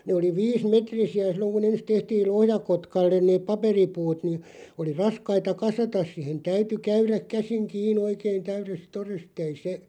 ne oli viisimetrisiä silloin kun ensin tehtiin sille Lohjakotkalle ne paperipuut niin oli raskaita kasata siihen täytyi käydä käsin kiinni oikein täydestä todesta ei se